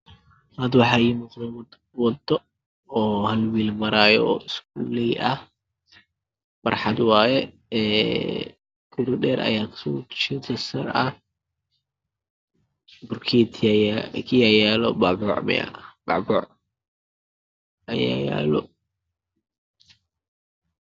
Halkaan waxaa iiga muuqdo wado hal wiil maraayo oo iskuuley ah. Barxad waaye waxaana kasoo horjeeda sar dheer iyo geed boocbooc ah.